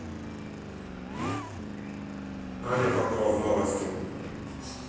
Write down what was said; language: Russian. аня покров новости